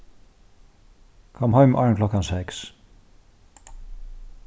kom heim áðrenn klokkan seks